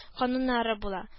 Кануннары була